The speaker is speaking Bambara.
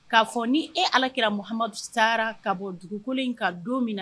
K'a fɔ ni e alakirahamadu sara ka bɔ dugukolo in ka don min